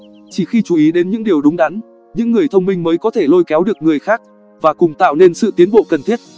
chỉ khi chú ý đến những điều đúng đắn những người thông minh mới có thể lôi kéo được người khác và cùng tạo nên sự tiến bộ cần thiết